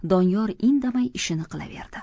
doniyor indamay ishini qilaverdi